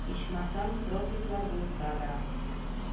Ичмасам, тропиклар булса да...